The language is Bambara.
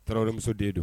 Tarawelemuso den don